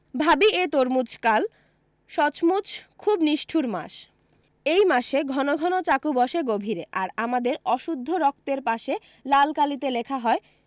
ভাবি এ তরমুজকাল সচমুচ খুব নিষ্ঠুর মাস এই মাসে ঘন ঘন চাকু বসে গভীরে আর আমাদের অশুদ্ধ রক্তের পাশে লালকালিতে লেখা হয়